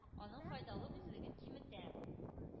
Аның файдалы үзлеген киметә.